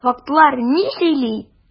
Фактлар ни сөйли?